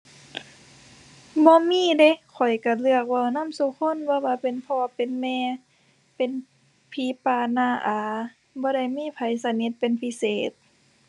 บ่มีเดะ ข้อยก็เลือกเว้านำซุคน บ่ว่าเป็นพ่อ เป็นแม่ เป็นพี่ ป้า น้า อา บ่ได้มีไผสนิทเป็นพิเศษ